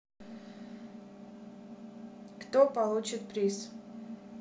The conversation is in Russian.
кто получит приз